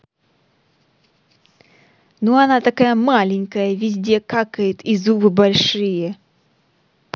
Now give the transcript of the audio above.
ну она такая маленькая везде какает и зубы большие